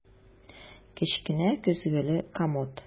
Кечкенә көзгеле комод.